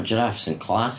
Ma' jiraffs yn class.